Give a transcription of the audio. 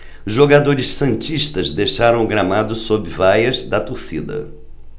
os jogadores santistas deixaram o gramado sob vaias da torcida